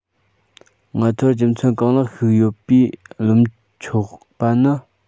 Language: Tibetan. ང ཚོར རྒྱུ མཚན གང ལེགས ཤིག ཡོད པས རློམ ཆོག པ ནི